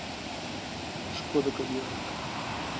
шкода кодиак